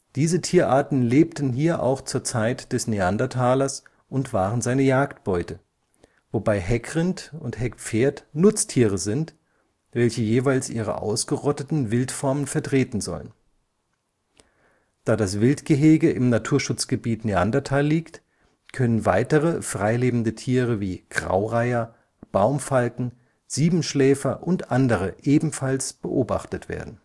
Diese Tierarten lebten hier auch zur Zeit des Neandertalers und waren seine Jagdbeute, wobei Heckrind und Heckpferd Nutztiere sind, welche jeweils ihre ausgerotteten Wildformen vertreten sollen. Da das Wildgehege im Naturschutzgebiet Neandertal liegt, können weitere freilebende Tiere wie Graureiher, Baumfalken, Siebenschläfer und andere ebenfalls beobachtet werden